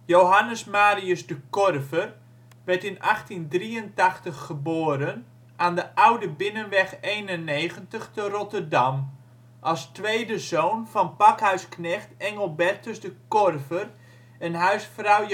Johannes Marius de Korver werd in 1883 geboren aan de Oude Binnenweg 91 in Rotterdam, als tweede zoon van pakhuisknecht Engelbertus de Korver en huisvrouw